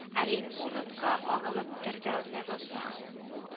Оренбургка агылып торды ләбаса